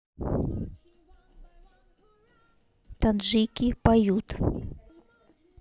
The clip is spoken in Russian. таджики поют